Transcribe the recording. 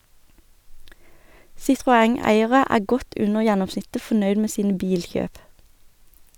Citroën-eiere er godt under gjennomsnittet fornøyd med sine bilkjøp.